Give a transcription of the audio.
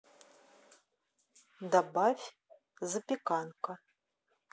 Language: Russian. добавь запеканка